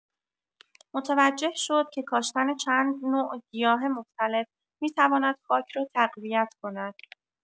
متوجه شد که کاشتن چند نوع گیاه مختلف می‌تواند خاک را تقویت کند.